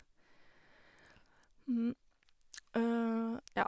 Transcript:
Ja.